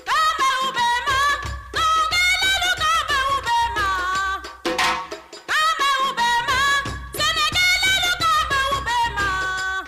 Nka bɛ ma maa ba bɛ ba nk' bɛ tile bɛ ba